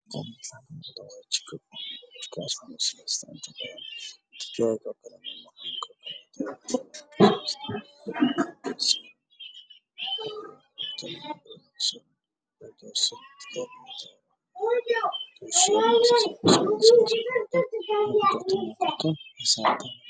Halkaan waxaa taagan ninman labo waxey qabaan jaakad cagaar ah kuna waxa uu saaranyahay jaraanjarada